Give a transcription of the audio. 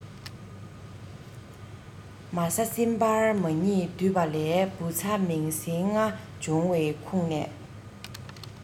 མ ས སྲིན འབར མ གཉིས འདུས པ ལས བུ ཚ མིང སྲིང ལྔ བྱུང བའི ཁོངས ནས